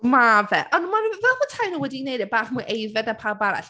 Mae fe. Ond mae fel petai nhw wedi wneud e bach mwy aeddfed 'na pawb arall.